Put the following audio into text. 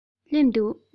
སླེབས འདུག